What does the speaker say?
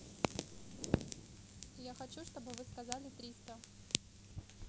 я хочу чтобы вы сказали триста